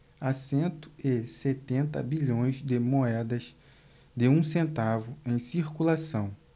há cento e setenta bilhões de moedas de um centavo em circulação